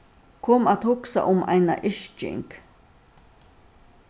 kom at hugsa um eina yrking